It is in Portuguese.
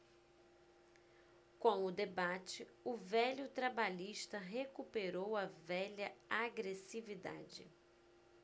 com o debate o velho trabalhista recuperou a velha agressividade